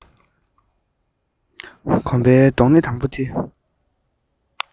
གོམ པའི རྡོག སྣེ དང པོ དེ